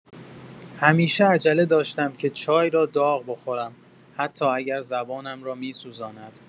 همیشه عجله داشتم که چای را داغ بخورم، حتی اگر زبانم را می‌سوزاند.